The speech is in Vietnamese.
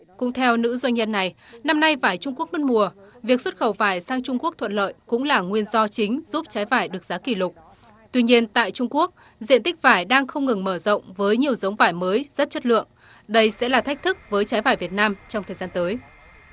cũng theo nữ doanh nhân này năm nay vải trung quốc mất mùa việc xuất khẩu vải sang trung quốc thuận lợi cũng là nguyên do chính giúp trái vải được giá kỷ lục tuy nhiên tại trung quốc diện tích vải đang không ngừng mở rộng với nhiều giống vải mới rất chất lượng đây sẽ là thách thức với trái vải việt nam trong thời gian tới